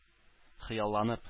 Хыялланып